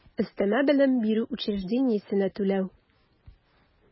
Өстәмә белем бирү учреждениесенә түләү